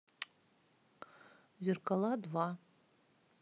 зеркала два